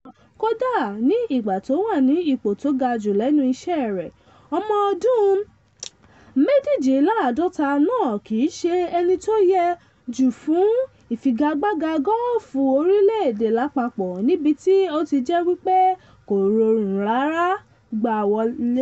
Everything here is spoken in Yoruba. Kò kìíṣe ẹnítí ìṣọwọ́wakọ̀ rẹ̀ tọ́ jùlọ kóda ní ìgbà tó wà ní ìpò tó ga jù lẹ́nu iṣẹ́ rẹ̀, ọmọ ọdún 48 náà kìíṣe ẹní tó yẹ jù fún ìfigagbaga Gọ́ọ̀fù orílẹ̀ èdè lápapọ̀, níbi tí ó ti jẹ́ wípé kò rọrùn láti gbá wọ ilé.